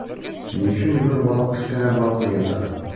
Ни өчен зур балык кечкенә балыкны йота?